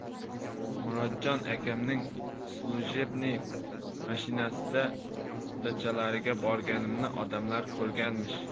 murodjon akamning slujebniy mashinasida dachalariga borganimni odamlar ko'rganmish